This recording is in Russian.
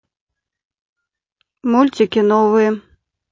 мультики новые